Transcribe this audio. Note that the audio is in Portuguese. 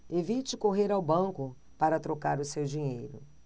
evite correr ao banco para trocar o seu dinheiro